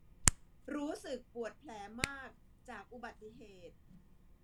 รู้สึกปวดแผลมากจากอุบัติเหตุ